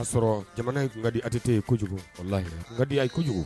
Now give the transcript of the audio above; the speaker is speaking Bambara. O y'a sɔrɔ jamana in kadi adite ye kojugu o lahi kadi y' ye kojugu